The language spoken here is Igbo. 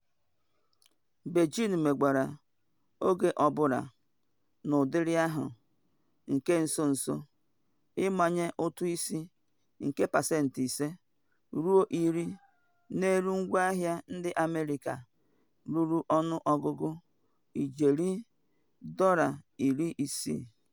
Beijing megwara oge ọ bụla n’ụdịrị ahụ, nke nso nso a ịmanye ụtụ isi nke pasentị ise ruo iri n’elu ngwaahịa ndị America ruru ọnụọgụ ijeri $60.